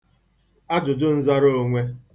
ajụ̀jụn̄zāraonwe